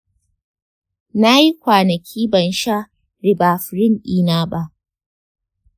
na yi kwanaki ban sha ribavirin ɗina ba.